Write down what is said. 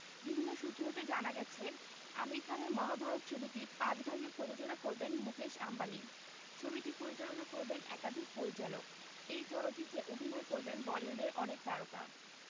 বিভিন্ন সূত্র থেকে জানা গেছে আমির খানের মহাভারত ছবিটি পাঁচ ভাগে প্রযোজনা করবেন মুকেশ আম্বানি ছবিটি পরিচালনা করবেন একাধিক পরিচালক এই চলচ্চিত্রে অভিনয় করবেন বলিউডের অনেক তারকা